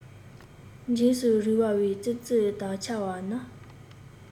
འཇིགས སུ རུང བའི ཙི ཙི དག འཆར བ ན